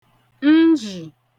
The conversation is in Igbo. nzhì